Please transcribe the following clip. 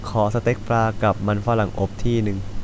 ขอสเต็กปลากับมันฝรั่งอบที่หนึ่ง